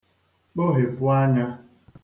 kpoghepụ ānyā